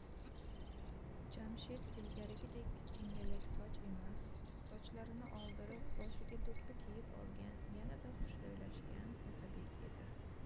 jamshid ilgarigidek jingalaksoch emas sochlarini oldirib boshiga do'ppi kiyib olgan yanada xushro'ylashgan otabek edi